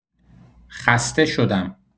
خسته شدم!